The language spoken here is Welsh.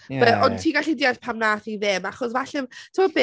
Ie... Ond ti'n gallu deall pam wnaeth hi ddim, achos falle, timod be?